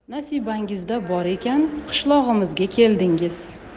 nasibangizda bor ekan qishlog'imizga keldingiz